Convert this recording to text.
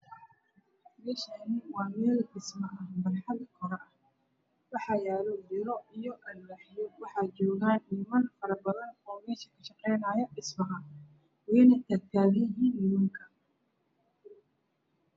Meshani waa mel barxad kore ah waxayalo biro io alwax waxajogan niman farbadan oo mesh kashaqeynay dhismada weyna tagtagnyahin nimnka